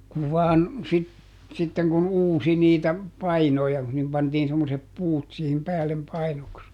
kun vain - sitten kun uusi niitä painoja kun sinne pantiin semmoiset puut siihen päälle painoksi